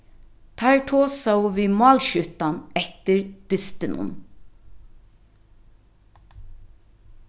teir tosaðu við málskjúttan eftir dystinum